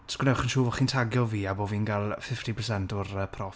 jyst gwnewch yn chi'n siŵr fod chi'n tagio fi a bod fi'n gael fifty percent o'r, yy, profit.